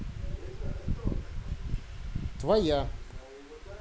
твоя